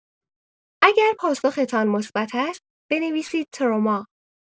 اگر پاسختان مثبت است، بنویسید تروما.